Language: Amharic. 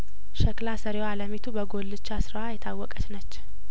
ሸክላ ሰሪዋ አለሚቱ በጉልቻ ስራዋ የታወቀችነች